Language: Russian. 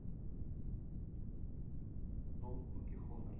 ноутбуки хонор